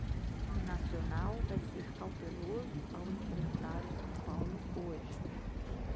o nacional vai ser cauteloso ao enfrentar o são paulo hoje